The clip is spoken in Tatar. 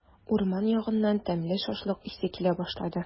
Урман ягыннан тәмле шашлык исе килә башлады.